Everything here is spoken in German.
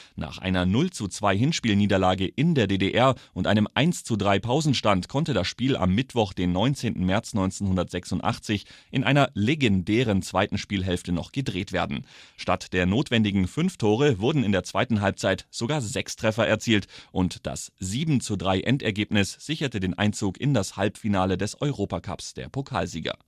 Nach einer 0:2-Hinspiel-Niederlage in der DDR und einem 1:3-Pausenstand konnte das Spiel am Mittwoch, den 19. März 1986 in einer legendären zweiten Spielhälfte noch gedreht werden. Statt der notwendigen fünf Tore wurden in der zweiten Halbzeit sogar sechs Treffer erzielt und das 7:3-Endergebnis sicherte den Einzug in das Halbfinale des Europacups der Pokalsieger